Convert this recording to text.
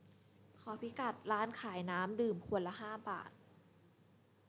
ขอพิกัดร้านขายน้ำดื่มขวดละห้าบาท